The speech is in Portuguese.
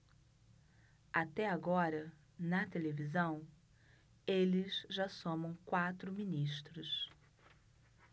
até agora na televisão eles já somam quatro ministros